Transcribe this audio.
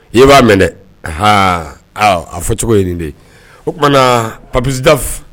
I b'a mɛn dɛ aa a fɔ cogo ye de o tumana na papisida